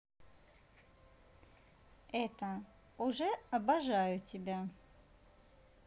это уже обожаю тебя